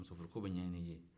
musofuruko bɛ ɲɛɲin'i ye